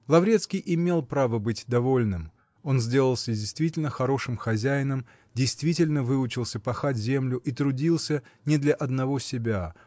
Лаврецкий имел право быть довольным: он сделался действительно хорошим хозяином, действительно выучился пахать землю и трудился не для одного себя